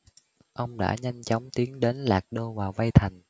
ông đã nhanh chóng tiến đến lạc đô và vây thành